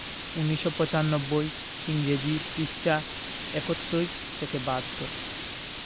১৯৯৫ ইংরেজি পৃ ৭১ থেকে ৭২